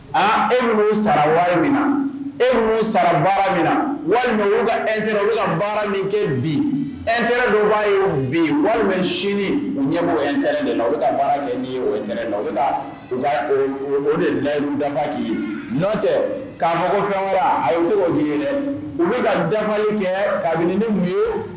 Aa e sara wari min e sara baara min walimau e baara min kɛ bi e dɔw b'a ye bi walima sini u ye mɔgɔrɛn de baara u o de layi dan' ye ɲɔ cɛ k'a mɔgɔ fɛnkura a ye cogo di ye dɛ u bɛ ka dan ye kɛ kabini ni mun ye